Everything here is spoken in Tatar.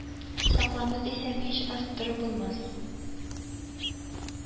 Сакланды дисәм һич арттыру булмас